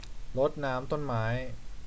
รดน้ำต้นไม้